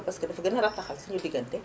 parce que dafa gën a rataxal suñu digante